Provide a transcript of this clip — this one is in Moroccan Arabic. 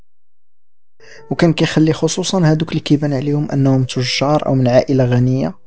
ممكن تخلي خصوصا اهلك بني اليوم انه متولي الشعراوي من عائله غنيه